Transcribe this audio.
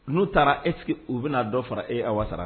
N'u taara e sigi u bɛna n'a dɔ fara e wasa